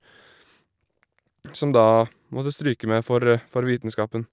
Som da måtte stryke med for for vitenskapen.